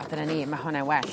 A dyna ni ma' honna'n well.